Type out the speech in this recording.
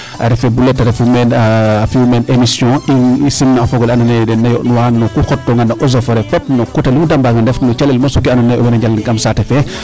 refee buleet a refu meen a fiyu meen emission i simna fogole ando naye dena yond nuwa no ku xot toonga no eaux et foret fop no coté luu de mbaang na ndef no calel mosu kee ando naye owey na njalan kam saate fee